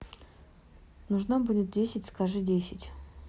нужна будет десять скажи десять